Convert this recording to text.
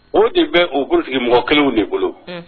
O de bɛ u bumɔgɔ kelenw de bolo